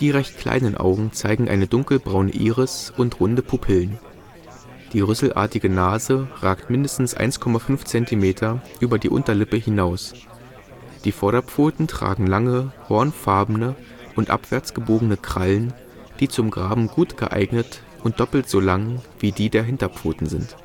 recht kleinen Augen zeigen eine dunkelbraune Iris und runde Pupillen. Die rüsselartige Nase ragt mindestens 1,5 cm über die Unterlippe hinaus. Die Vorderpfoten tragen lange, hornfarbene und abwärts gebogene Krallen, die zum Graben gut geeignet und doppelt so lang wie die der Hinterpfoten sind